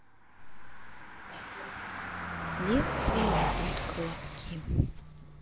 следствие ведут колобки